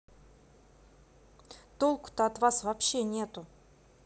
толку то от вас вообще нету